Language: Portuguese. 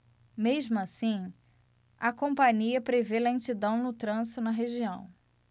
mesmo assim a companhia prevê lentidão no trânsito na região